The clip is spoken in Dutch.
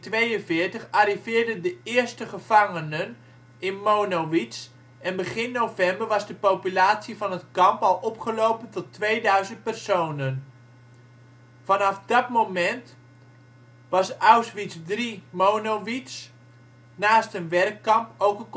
1942 arriveerden de eerste gevangenen in Monowitz en begin november was de populatie van het kamp al opgelopen tot tweeduizend personen. Vanaf dat moment was Auschwitz II - Monowitz naast een werkkamp ook